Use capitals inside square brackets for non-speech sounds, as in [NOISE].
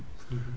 [HESITATION] [HESITATION]